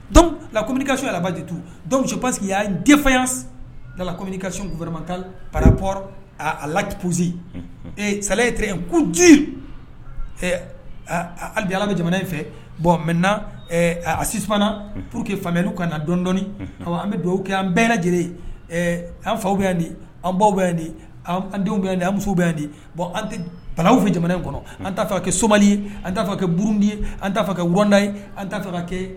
Donc lakmmini ka sunjata alajitu dɔw pa que y' n denfɛn yan da lakmmini ka sun fanama pap a la kunse sa t yen ko ji ali ala bɛ jamana in fɛ bon mɛsifana pur que ka na dɔndɔi an bɛ kɛ an bɛɛ lajɛlen an faw bɛ yan di an baw bɛ yan di an denw bɛ yan an muso bɛ yan di bɔn an tɛ pawfɛ jamana in kɔnɔ an t taa kɛ soma ye an t taa kɛ bdi ye an t taa kɛ wda ye an taa kɛ